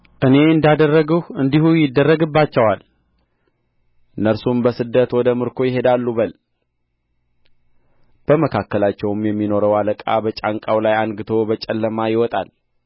እኔ እንዳደረግሁ እንዲሁ ይደረግባቸዋል እነርሱም በስደት ወደ ምርኮ ይሄዳሉ በል በመካከላቸውም የሚኖረው አለቃ በጫንቃው ላይ አንግቶ በጨለማ ይወጣል